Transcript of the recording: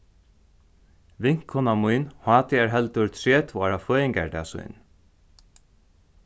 vinkona mín hátíðarheldur tretivu ára føðingardag sín